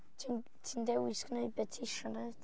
Ti'n ti'n dewis gwneud be ti isio wneud.